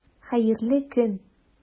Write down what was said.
Хәерле көн!